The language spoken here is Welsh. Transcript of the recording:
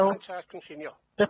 No?